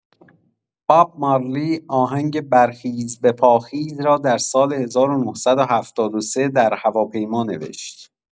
باب مارلی آهنگ برخیز به پاخیز را در سال ۱۹۷۳ در هواپیما نوشت.